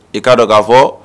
I ka dɔn ka fɔ